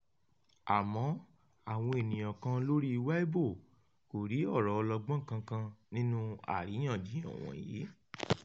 Àmọ́ àwọn ènìyàn kan lórí Weibo kò rí ọ̀rọ̀ ọlọgbọ́n kankan nínú àríyànjiyàn wọ̀nyí.